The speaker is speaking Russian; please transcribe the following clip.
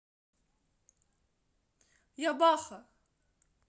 я баха